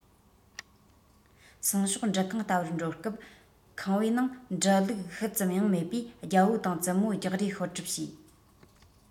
སང ཞོགས འབྲུ ཁང བལྟ བར འགྲོ སྐབས ཁང པའི ནང འབྲུ བླུགས ཤུལ ཙམ ཡང མེད པས རྒྱལ པོ དང བཙུན མོ རྒྱག རེས ཤོར གྲབས བྱས